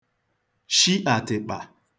shi àtị̀kpà